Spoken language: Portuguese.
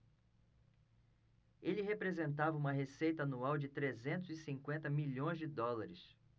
ele representava uma receita anual de trezentos e cinquenta milhões de dólares